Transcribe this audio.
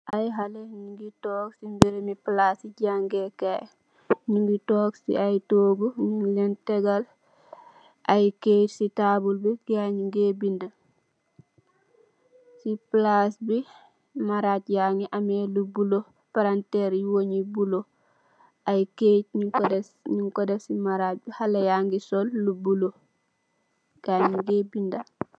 Aiiy haleh njungy tok cii mbirumi plassi jaangeh kaii, njungy tok cii aiiy tohgu, njung len tehgal aiiy keit cii taabul bii gai njungeh binda, cii plasss bii marajj yaangy ameh lu bleu, palanterre yii palanterr yu weungh yu bleu, cii keit njung kor deff cii marajj bii